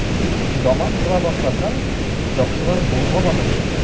Яман кыла башласаң, яхшылар болгап атачак.